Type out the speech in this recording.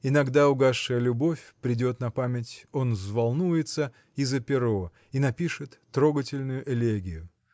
Иногда угасшая любовь придет на память, он взволнуется – и за перо и напишет трогательную элегию.